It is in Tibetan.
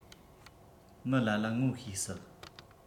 མི ལ ལ ངོ ཤེས སྲིད